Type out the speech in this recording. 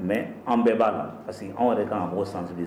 Mɛ an bɛɛ b'a la parce que an de kan mɔgɔ sansiribi